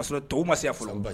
K'a sɔrɔ tubabu ma se yan fɔlɔ